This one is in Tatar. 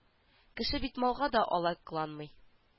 Кеше бит малга да алай кыланмый